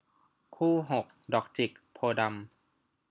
คู่หกดอกจิกโพธิ์ดำ